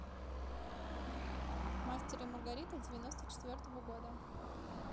мастер и маргарита девяносто четвертого года